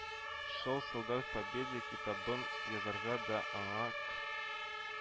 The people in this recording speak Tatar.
Шел солдат к победе китабын язарга да аңа К